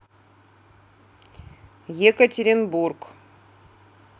екатеринбург